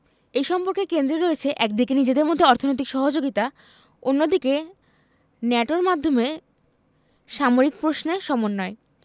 এই সম্পর্কের কেন্দ্রে রয়েছে একদিকে নিজেদের মধ্যে অর্থনৈতিক সহযোগিতা অন্যদিকে ন্যাটোর মাধ্যমে সামরিক প্রশ্নে সমন্বয়